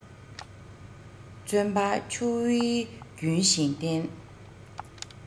བརྩོན པ ཆུ བོའི རྒྱུན བཞིན བསྟེན